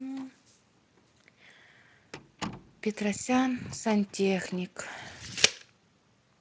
петросян сантехник